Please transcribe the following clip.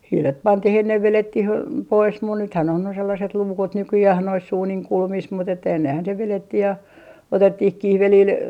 hiilet pantiin ennen vedettiin pois mutta nythän on ne sellaiset luukut nykyään noissa uunin kulmissa mutta että ennenhän se vedettiin ja otettiin kihvelillä